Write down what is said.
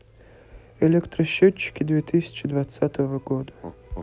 электросчетчики две тысячи двадцатого года